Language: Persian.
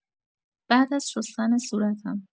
بعد از شستن صورتم